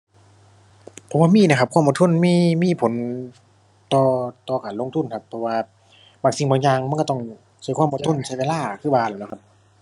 ผมว่ามีนะครับ ความอดทน มี มีผล ต่อ ต่อการลงทุนครับ เพราะว่าบางสิ่งบางอย่างมันก็ต้องใช้ความอดทน ใช้เวลา คือว่าละเนาะครับ